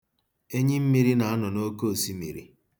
Enyimmiri na-anọ n'oke osimiri.